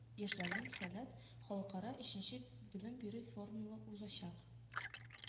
Яшьләрнең “сәләт” халыкара өченче белем бирү форумлы узачак